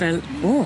Fel o!